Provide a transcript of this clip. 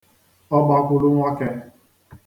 ọgbakwulu nwọkē